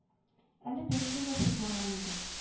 Әле пенсиягә чыкмаган идек.